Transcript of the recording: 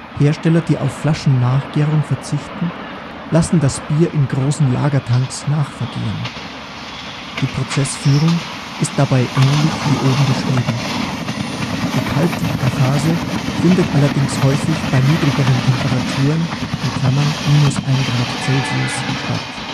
Hersteller, die auf Flaschennachgärung verzichten, lassen das Bier in großen Lagertanks nachvergären. Die Prozessführung ist dabei ähnlich wie oben beschrieben. Die Kaltlagerphase findet allerdings häufig bei niedrigeren Temperaturen (-1 °C) statt